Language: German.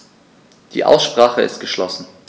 Die Aussprache ist geschlossen.